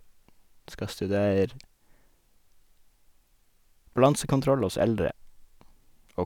Skal studere balansekontroll hos eldre, og...